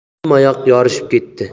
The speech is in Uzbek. hammayoq yorishib ketdi